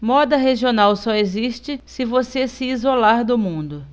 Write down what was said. moda regional só existe se você se isolar do mundo